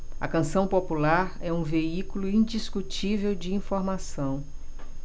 a canção popular é um veículo indiscutível de informação